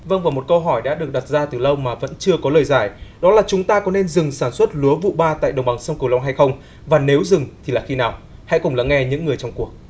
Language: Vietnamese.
vâng và một câu hỏi đã được đặt ra từ lâu mà vẫn chưa có lời giải đó là chúng ta có nên dừng sản xuất lúa vụ ba tại đồng bằng sông cửu long hay không và nếu dừng thì là khi nào hãy cùng lắng nghe những người trong cuộc